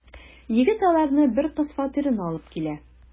Егет аларны бер кыз фатирына алып килә.